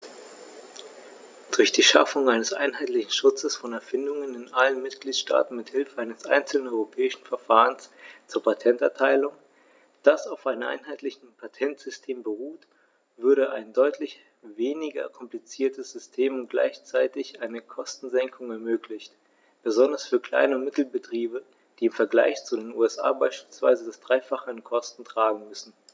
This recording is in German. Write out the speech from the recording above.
Durch die Schaffung eines einheitlichen Schutzes von Erfindungen in allen Mitgliedstaaten mit Hilfe eines einzelnen europäischen Verfahrens zur Patenterteilung, das auf einem einheitlichen Patentsystem beruht, würde ein deutlich weniger kompliziertes System und gleichzeitig eine Kostensenkung ermöglicht, besonders für Klein- und Mittelbetriebe, die im Vergleich zu den USA beispielsweise das dreifache an Kosten tragen müssen.